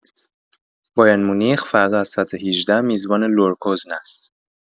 بایرن‌مونیخ فردا از ساعت ۱۸ میزبان لورکوزن است.